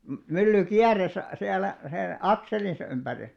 - mylly kiersi siellä sen akselinsa ympäri